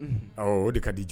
Unhun awɔɔ o de kadi ju